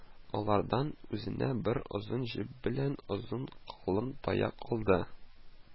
Алардан үзенә бер озын җеп белән озын калын таяк алды